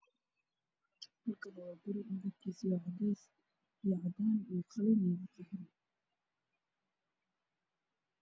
Xiisahaan waa guri kalarkiisu yahay caddaan caddeeys qalin